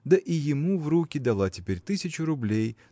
да и ему в руки дала теперь тысячу рублей